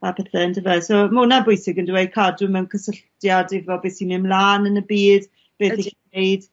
a pethe yndyfe? So ma' wnna'n bwysig on'd yw e i cadw mewn cysylltiad efo be' sy'n myn' mlan yn y byd, beth 'yt ti'n neud.